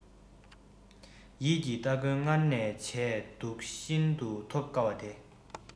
ཡིད ཀྱི སྟ གོན སྔར ནས བྱས འདུག ཤིན ཏུ ཐོབ དཀའ བ དེ